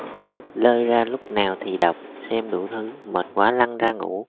lơi ra lúc nào thì đọc xem đủ thứ mệt quá lăn ra ngủ